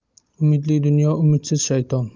umidli dunyo umidsiz shayton